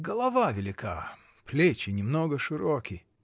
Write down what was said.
голова велика, плечи немного широки.